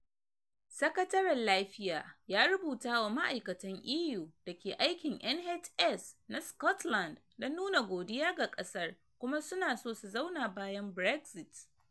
Sakataren Lafiya ya rubuta wa ma'aikatan EU da ke aikin NHS na Scotland don nuna godiya ga kasar kuma su na so su zauna bayan-Brexit.